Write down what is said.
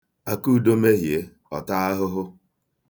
Akụdo mehie, ọ taa ahụhụ.